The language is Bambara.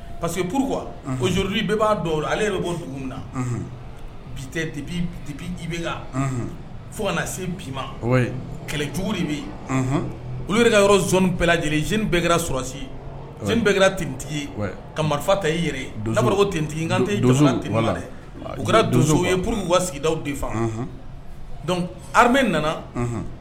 Pa parce que pouru b'a ale bɛ bɔ dugu min na bip i bɛ fo kana na se bi ma kɛlɛ jugu bɛ yen u yɛrɛ ka yɔrɔ bɛɛla lajɛlen z bɛɛ kɛrara sɔsi j bɛɛ kɛrara ttigi ka marifa ta i yɛrɛ ko ttigi kanteenba dɛ u kɛra donso ye pur wa sigida bi faa dɔnku ha nana